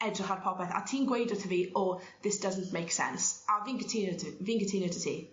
edrych ar popeth a ti'n gweud wrtho fi o this doesn't make sense a fi'n cytuna 'dy fi'n cytuno 'dy ti.